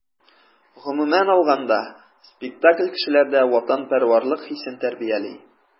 Гомумән алганда, спектакль кешеләрдә ватанпәрвәрлек хисен тәрбияли.